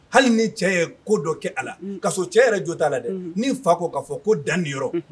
Hali ni cɛ ye ko dɔ kɛ a la ka so cɛ yɛrɛ jɔ t'a la dɛ ni fa ko k'a fɔ ko danniyɔrɔ